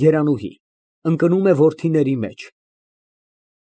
ԵՐԱՆՈՒՀԻ ֊ (Ընկնում է որդիների մեջ)։